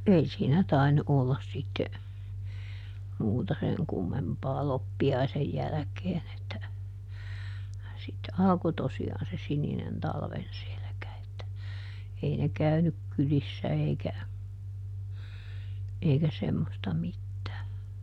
ei siinä tainnut olla sitten muuta sen kummempaa loppiaisen jälkeen että sitten alkoi tosiaan se sininen talven selkä että ei ne käynyt kylissä eikä eikä semmoista mitään